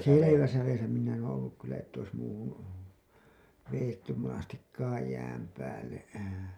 selvässä vedessä minä en ollut kyllä että olisi muuhun vedetty monestikaan jään päälle